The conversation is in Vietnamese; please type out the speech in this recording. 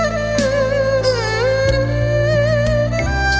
chẳng thể biết bao nhiêu lệ rơi